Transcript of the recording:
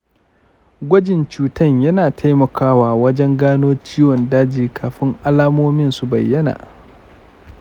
gwajin cutan yana taimakawa wajen gano ciwon daji kafun alamun cutan su bayyana.